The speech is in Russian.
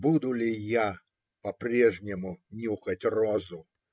Буду ли я по-прежнему нюхать розу?